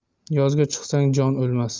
yozga chiqsang jon o'lmas